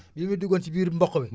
yi mu duggoon ci biir mboq bi